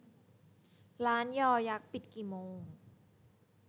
ร้านยยักษ์ปิดกี่โมง